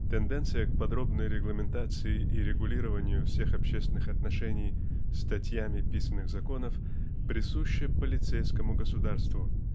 тенденция к подробной регламентации и регулированию всех общественных отношений статьями писаных законов присуща полицейскому государству